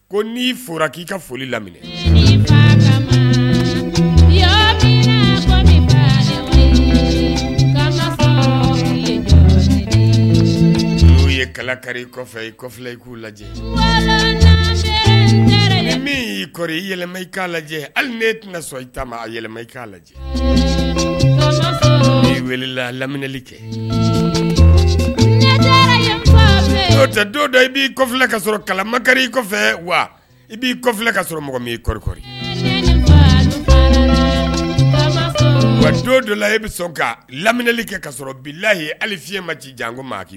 N'i fɔra k'i ka foli laminɛ ye kala kari ifi i k'u lajɛɔri i i k'a lajɛ hali tɛna i a yɛlɛma i k'a lajɛ i lamli kɛ dɔ i b'ifi ka kalamakari i kɔfɛ wa i b'ifi ka mɔgɔ minɔriɔri wa dɔ la i bɛ sɔn ka lamli kɛ ka sɔrɔhi hali fiɲɛi ma ci jan ko maaki